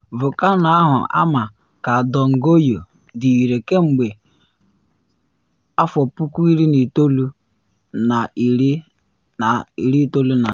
Volkano ahụ ama ka “Don Goyo” dị ire kemgbe 1994.